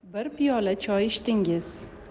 bir piyola choy ichdingiz